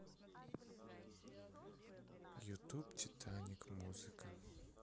ютуб титаник музыка